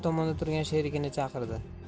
tomonda turgan sherigini chaqirdi